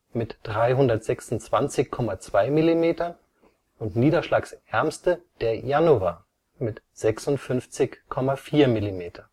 mit 326,2 mm und niederschlagärmster der Januar mit 56,4 mm